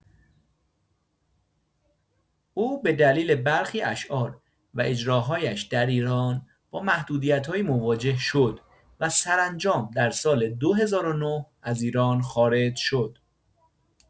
او به دلیل برخی اشعار و اجراهایش در ایران با محدودیت‌هایی مواجه شد و سرانجام در سال ۲۰۰۹ از ایران خارج شد.